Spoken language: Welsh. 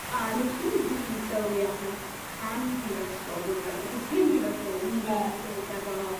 a nesh i'm rili sylwi arno tan prifysgol dwi yn meddwl 'cos cyn prifysgol o'n i'n rili good efo